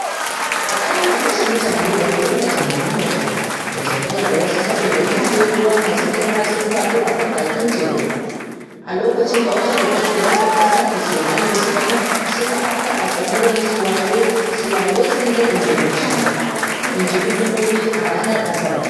Aƙalla an kashe mutane 384, da tafiya da wasu saboda igiyoyin ruwa masu girma sun faɗo a kan bakin teku, a loƙacin da wata babbar girgizar ƙasa da tsunami suka afka a tsibirin Sulawesi na Indonesiya, injin hukumomi a ranar Asabar.